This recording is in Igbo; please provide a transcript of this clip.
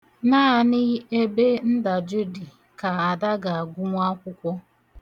Naanị ebe ndajụ dị ka Ada ga-agụnwu akwụkwọ.